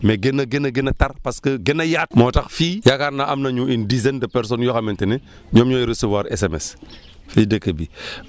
mais gën a gën a gën a tar parce que gën a yaatu moo tax fii yaakaar naa am nañu une dizaine de personne yoo xamante ne ñoom ñooy recevoir SMS si dëkk bi